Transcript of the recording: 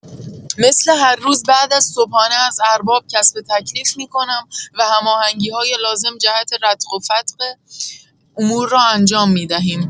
مثل هر روز بعد از صبحانه از ارباب کسب تکلیف می‌کنم و همانگی‌های لازم جهت رتق و فتق امور را انجام می‌دهیم.